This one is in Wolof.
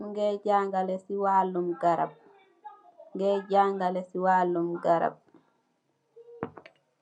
mugeh jangaleh ci waluum garap.